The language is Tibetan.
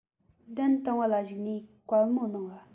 གདན བཏིང བ ལ བཞུགས ནས བཀའ མོལ གནང བ